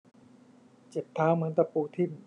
เจ็บเท้าเหมือนตะปูทิ่ม